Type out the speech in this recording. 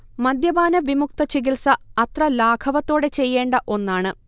മദ്യപാന വിമുക്തചികിത്സ അത്ര ലാഘവത്തോടെ ചെയ്യേണ്ട ഒന്നാണ്